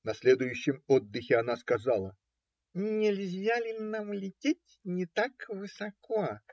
На следующем отдыхе она сказала: - Нельзя ли нам лететь не так высоко?